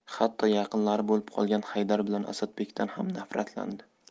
hatto yaqinlari bo'lib qolgan haydar bilan asadbekdan ham nafratlandi